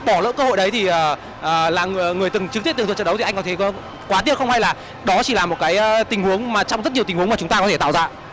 bỏ lỡ cơ hội đấy thì ờ ờ là người người từng trực tiếp tường thuật trận đấu thì anh có thấy có quá tiếc không hay là đó chỉ là một cái tình huống mà trong rất nhiều tình huống mà chúng ta có thể tạo ra